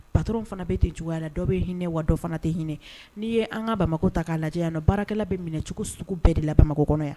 Patrons fana bɛ ten cogoya la, dɔ bɛ hinɛinɛ, wa dɔ fana tɛ hinɛ, n'i ye an ka Bamakɔ ta k'a lajɛ yan, baarakɛla bɛ minɛ cogo sugu bɛɛ de la Bamakɔ kɔnɔ yan!